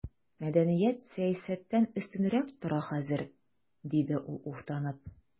Мәдәният сәясәттән өстенрәк тора хәзер, диде ул уфтанып.